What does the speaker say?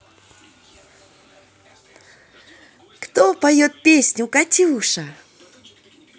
кто поет песню катюша